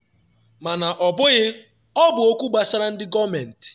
Mana ọ bụghị, ọ bụ okwu gbasara ndị gọọmentị.